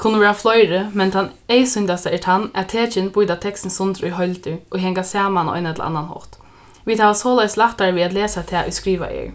kunnu vera fleiri men tann eyðsýndasta er tann at tekin býta tekstin sundur í heildir ið hanga saman á ein ella annan hátt vit hava soleiðis lættari við at lesa tað ið skrivað er